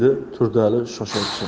dedi turdiali shosha pisha